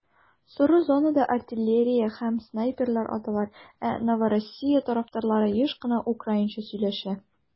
Соры зонада артиллерия һәм снайперлар аталар, ә Новороссия тарафтарлары еш кына украинча сөйләшә.